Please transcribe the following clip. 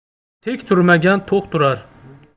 tek turmagan to'q turar